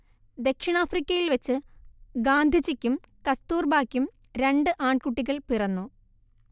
ദക്ഷിണാഫ്രിക്കയിൽ വച്ച് ഗാന്ധിജിക്കും കസ്തൂർബായ്ക്കും രണ്ട് ആൺകുട്ടികൾ പിറന്നു